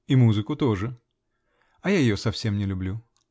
-- И музыку тоже -- А я ее совсем не люблю.